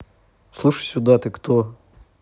слушай сюда ты кто